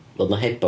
Oedd 'na hebog...